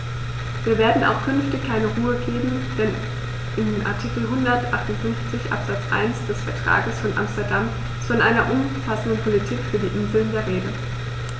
Wir werden auch künftig keine Ruhe geben, denn in Artikel 158 Absatz 1 des Vertrages von Amsterdam ist von einer umfassenden Politik für die Inseln die Rede.